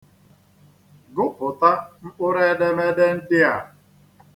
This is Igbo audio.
Gụpụta mkpụrụedemede ndị a.